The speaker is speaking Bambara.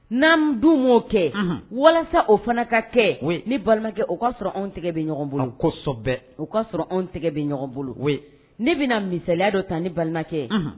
N'an dun m'o kɛ, unhun, walasa o fana ka kɛ ne balimakɛ o k'a sɔrɔ anw tɛgɛ bɛ ɲɔgɔn bolo, kosɔbɛ, o k'a sɔrɔ anw tɛgɛ bɛ ɲɔgɔn bolo, ne bɛna misaliya dɔ ta ne balimakɛ, unhun